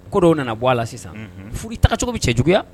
Ko dɔw nana bɔ a la sisan furu tacogo bɛ cɛ juguyaya